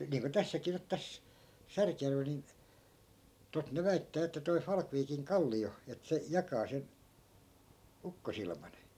niin kuin tässäkin nyt tässä Särkijärvellä niin tuota ne väittää että toi Falkviikin kallio että se jakaa sen ukkosilman